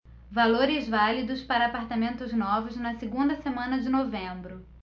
valores válidos para apartamentos novos na segunda semana de novembro